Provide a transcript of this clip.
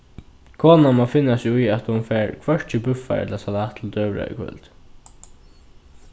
konan má finna seg í at hon fær hvørki búffar ella salat til døgurða í kvøld